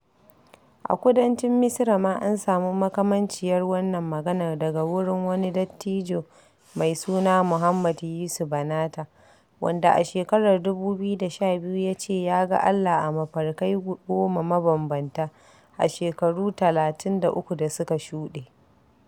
A kudancin Misira ma an samu makamanciyar wannan maganar daga wurin wani dattijo mai suna Muhammad Yiso Banatah, wanda a shekarar 2012 ya ce ya ga Allah a mafarkai goma mabambanta a shekaru 33 da suka shuɗe.